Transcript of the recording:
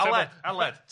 Aled, aled.